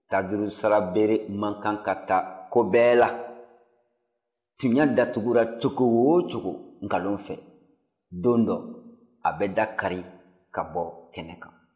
tajurusarabere man kan ka ta ko bɛɛ la tiɲɛ datugura cogo o cogo nkalon fɛ don dɔ a bɛ dankari ka bɔ kɛnɛ ma